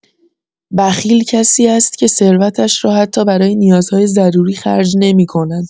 بخیل کسی است که ثروتش را حتی برای نیازهای ضروری خرج نمی‌کند.